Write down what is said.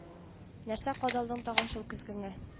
Нәрсә кадалдың тагын шул көзгеңә